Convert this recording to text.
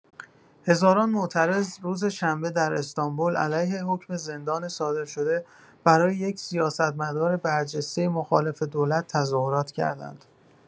هزاران معترض روز شنبه در استانبول علیه حکم زندان صادر شده برای یک سیاستمدار برجسته مخالف دولت تظاهرات کردند.